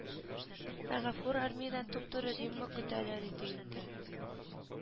Мәгафур армиядән туп-туры римма көтәләр иде инде